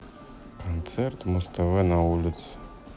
концерт муз тв на улице